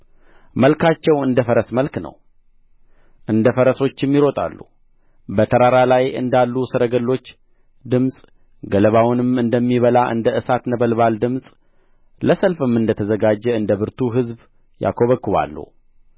መልካቸው እንደ ፈረስ መልክ ነው እንደ ፈረሶችም ይሮጣሉ በተራራ ላይ እንዳሉ ሰረገሎች ድምፅ ገለባውንም እንደሚበላ እንደ እሳት ነበልባል ድምፅ ለሰልፍም እንደ ተዘጋጀ እንደ ብርቱ ሕዝብ ያኰበኵባሉ